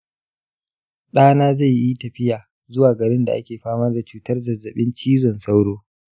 ɗa na zai yi tafiya zuwa garin da ake fama da cutar zazzaɓin cizon sauro.